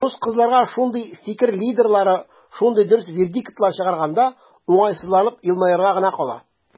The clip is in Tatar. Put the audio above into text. Дус кызларга шундый "фикер лидерлары" шундый дөрес вердиктлар чыгарганда, уңайсызланып елмаерга гына кала.